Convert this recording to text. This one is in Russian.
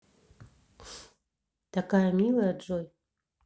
такая милая джой